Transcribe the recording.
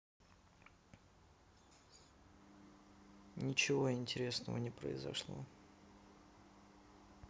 ничего интересного не произошло